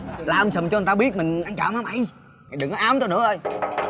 la um sùm cho người ta biết mình ăn trộm hả mày mày đừng có ám tao nữa bay